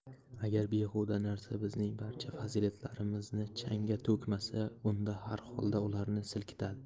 agar behuda narsa bizning barcha fazilatlarimizni changga to'kmasa unda har holda ularni silkitadi